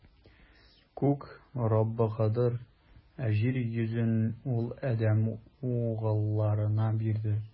Күк - Раббыгадыр, ә җир йөзен Ул адәм угылларына бирде.